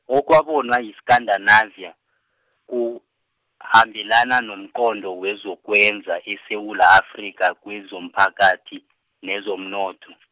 okwabonwa yi- Scandinavia, kuhambelana nomqondo wezokwenza eSewula Afrika kwezomphakathi, nezomnotho.